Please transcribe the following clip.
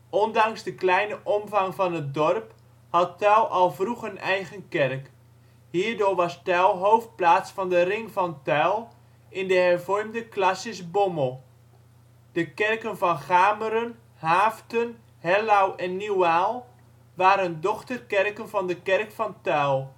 Ondanks de kleine omvang van het dorp, had Tuil al vroeg een eigen kerk. Hierdoor was Tuil hoofdplaats van de Ring van Tuil in de hervormde classis Bommel. De kerken van Gameren, Haaften, Hellouw en Nieuwaal waren dochterkerken van de kerk van Tuil